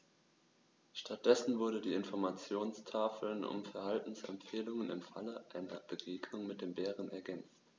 Stattdessen wurden die Informationstafeln um Verhaltensempfehlungen im Falle einer Begegnung mit dem Bären ergänzt.